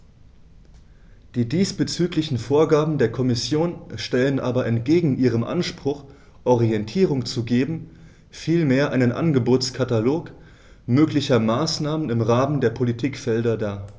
Die diesbezüglichen Vorgaben der Kommission stellen aber entgegen ihrem Anspruch, Orientierung zu geben, vielmehr einen Angebotskatalog möglicher Maßnahmen im Rahmen der Politikfelder dar.